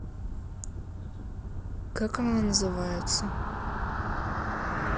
как она называется